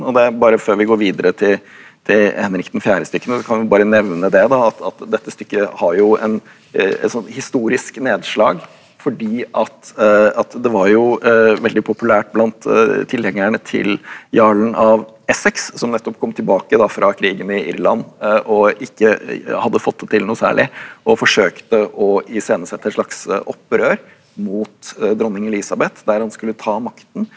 og det bare før vi går videre til til Henrik den fjerde-stykkene så kan vi bare nevne det da at at dette stykket har jo en et sånn historisk nedslag fordi at at det var jo veldig populært blant tilhengerne til jarlen av Essex som nettopp kom tilbake da fra krigen i Irland og ikke hadde fått det til noe særlig og forsøkte å iscenesette et slags opprør mot dronning Elizabeth der han skulle ta makten.